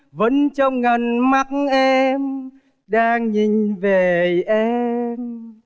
vẫn trong ngần mắt em đang nhìn về em